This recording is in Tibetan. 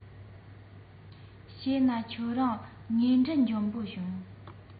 བྱས ན ཁྱེད རང དངོས འབྲེལ འཇོན པོ བྱུང